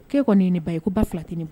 K'e kɔni ye ne ba ye ko ba 2 tɛ ne b